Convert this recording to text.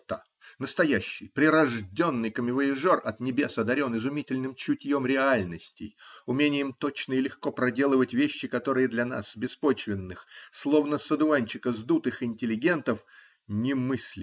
Настоящий, прирожденный коммивояжер от небес одарен изумительным чутьем реальностей, умением точно и легко проделывать вещи, которые для нас, беспочвенных, словно с одуванчика сдутых, интеллигентов, немыслимы.